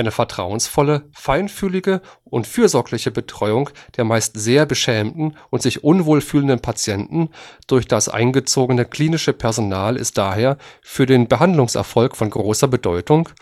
vertrauensvolle, feinfühlige und fürsorgliche Betreuung der meist sehr beschämten und sich unwohl fühlenden Patienten durch das einbezogene klinische Personal ist daher für den Behandlungserfolg von großer Bedeutung